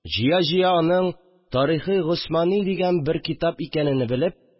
Җыя-җыя аның «Тарихы госмани» дигән бер китап икәнене белеп